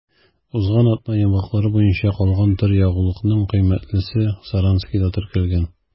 Узган атна йомгаклары буенча калган төр ягулыкның кыйммәтлесе Саранскида теркәлгән.